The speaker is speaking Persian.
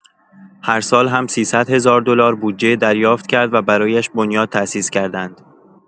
هر سال هم ۳۰۰ هزار دلار بودجه دریافت کرد و برایش بنیاد تاسیس کردند.